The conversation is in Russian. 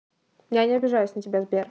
я не обижаюсь на тебя сбер